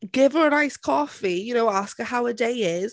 Give her a nice coffee, you know, ask her how her day is.